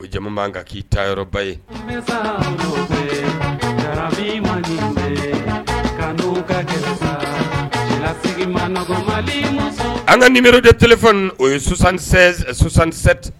O jama kan k'i ta yɔrɔba ye an ka nin mirijɛ tele o ye susansansɛ